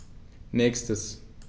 Nächstes.